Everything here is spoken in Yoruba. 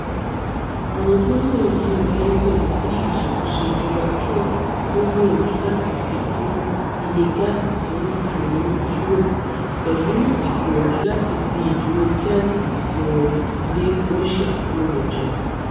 Àwọn gbólóhùn yìí wáyé pẹ̀lú bí ìṣàkóṣo ìjọba Trump ń gbìyànjú láti fikún iye gáàsì tí ó ń tà ní Europe pẹ̀lú ìgbìyànjú láti fi ìdínwó gáàsì ti wọn lé Russia kúrò lọ́jà.